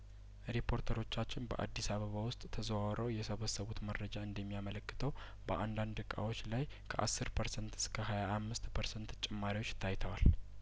ሪፖርተሮቻችን በአዲስ አበባ ውስጥ ተዘዋውረው የሰበሰቡት መረጃ እንደ ሚያመለክተው በአንዳንድ እቃዎች ላይ ከአስር ፐርሰንት እስከ ሀያ አምስት ፐርሰንት ጭማሪዎች ታይተዋል